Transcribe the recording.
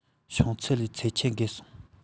ཤོང ཚད ལས ཚབས ཆེན བརྒལ སོང